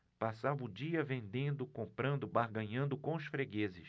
passava o dia vendendo comprando barganhando com os fregueses